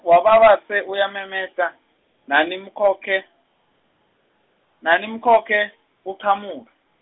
wababatse uyamemeta, naniMkhokhe naniMkhokhe kuchamuka.